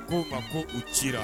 K' ka ko u ci